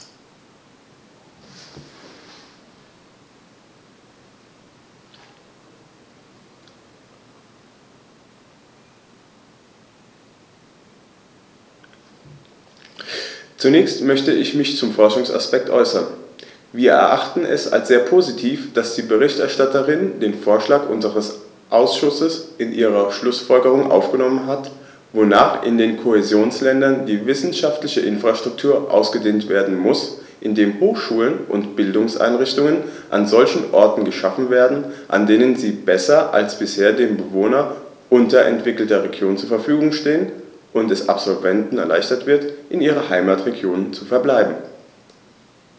Zunächst möchte ich mich zum Forschungsaspekt äußern. Wir erachten es als sehr positiv, dass die Berichterstatterin den Vorschlag unseres Ausschusses in ihre Schlußfolgerungen aufgenommen hat, wonach in den Kohäsionsländern die wissenschaftliche Infrastruktur ausgedehnt werden muss, indem Hochschulen und Bildungseinrichtungen an solchen Orten geschaffen werden, an denen sie besser als bisher den Bewohnern unterentwickelter Regionen zur Verfügung stehen, und es Absolventen erleichtert wird, in ihren Heimatregionen zu verbleiben.